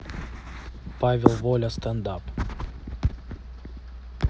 павел воля стендап